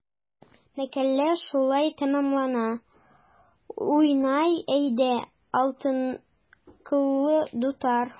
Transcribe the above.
Мәкалә шулай тәмамлана: “Уйна, әйдә, алтын кыллы дутар!"